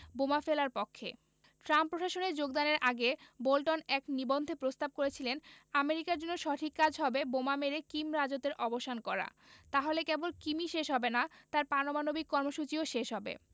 বোমা ফেলার পক্ষে ট্রাম্প প্রশাসনে যোগদানের আগে বোল্টন এক নিবন্ধে প্রস্তাব করেছিলেন আমেরিকার জন্য সঠিক কাজ হবে বোমা মেরে কিম রাজত্বের অবসান করা তাহলে কেবল কিমই শেষ হবে না তাঁর পারমাণবিক কর্মসূচিও শেষ হবে